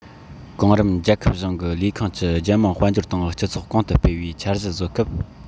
གོང རིམ རྒྱལ ཁབ གཞུང གི ལས ཁུངས ཀྱིས རྒྱལ དམངས དཔལ འབྱོར དང སྤྱི ཚོགས གོང དུ སྤེལ བའི འཆར གཞི བཟོ སྐབས